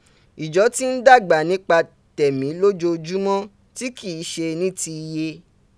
ijo ti n dagba nipa temi lojoojumo, ti ki i se niti iye.